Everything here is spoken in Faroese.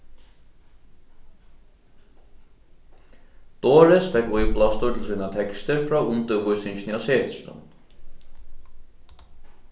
doris fekk íblástur til sínar tekstir frá undirvísingini á setrinum